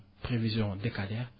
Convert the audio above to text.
prévision décadaire